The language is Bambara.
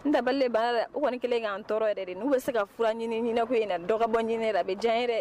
N dabali de banna dɛ u kɔni kɛlen don k'an tɔrɔ yɛrɛ de n'u bɛ se ka fura ɲini ɲinɛko in na dɔ ka bɔ ɲinɛ la o bɛ diya an ye dɛ!